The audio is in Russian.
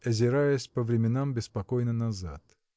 озираясь по временам беспокойно назад.